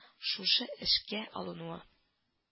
Шушы эшкә алынуы